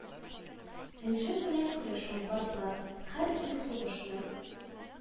Режим белән көрәш алып бардылар, һәр ике сугышның